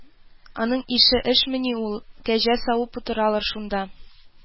Аның ише эшмени ул, кәҗә савып утыралар шунда